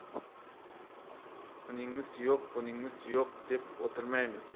uningiz yo'q buningiz yo'q deb o'tirmaymiz